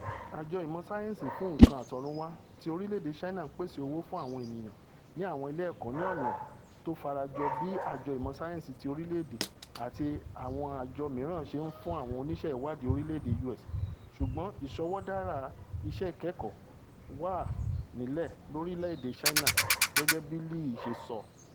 Àjọ Ìmọ̀ Sáyẹ́ńsì fún Nǹkan Àtọ̀runwá ti orílẹ̀-èdè Ṣáínà ńpèsè owó fún àwọn ènìyàn ní àwọn ilé ẹ̀kọ́ ní ọ̀nà tó farajọ bí Àjọ Ìmọ̀ Sáyẹ́ńsì ti orílẹ̀-èdè àti àwọn àjọ mìíràn ṣe ńfún àwọn oníṣẹ́-ìwáàdí orílẹ̀-èdè U.S., ṣùgbọ́n ìṣọwọ́dára iṣẹ́ ìkẹ́kọ̀ọ́ wá nílẹ̀ lorílẹ̀-èdè Ṣáínà, gẹ́gẹ́ bíi Lee ṣe sọ.